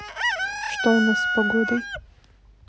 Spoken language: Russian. что у нас с погодой